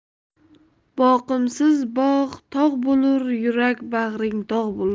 boqimsiz bog' tog' bo'lur yurak bag'ring dog' bo'lur